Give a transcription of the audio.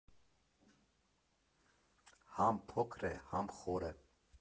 Համ փոքր է, համ խորը։